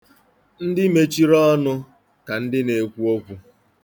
Ndị mechiri ọnụ ka ndị na-ekwu okwu.